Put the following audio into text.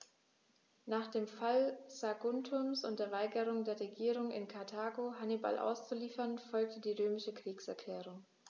Nach dem Fall Saguntums und der Weigerung der Regierung in Karthago, Hannibal auszuliefern, folgte die römische Kriegserklärung.